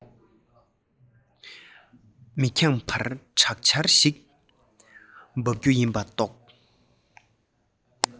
མི འགྱང བར དྲག ཆར ཞིག དབབ རྒྱུ ཡིན པ རྟོགས